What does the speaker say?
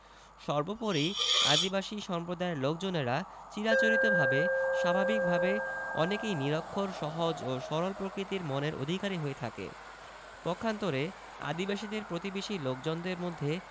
সর্বপরি আদিবাসী সম্প্রদায়ের লোকজনেরা চিরাচরিতভাবে স্বাভাবিকভাবে অনেকেই নিরক্ষর সহজ ও সরল প্রকৃতির মনের অধিকারী হয়ে থাকে পক্ষান্তরে আদিবাসীদের প্রতিবেশী লোকজনদের মধ্যে